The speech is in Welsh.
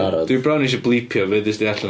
Dwi bron isio bleepio be ddudes di allan.